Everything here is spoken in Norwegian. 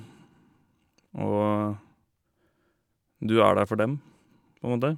Og du er der for dem, på en måte.